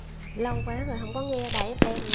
lâu quá rồi không có nghe đài ép em nữa